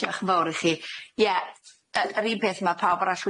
Diolch yn fawr i chi ie yy yr un peth ma' pawb arall